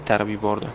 solib itarib yubordi